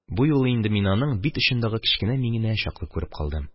Бу юлы инде мин аның бит очындагы кечкенә миңенә чаклы күреп калдым.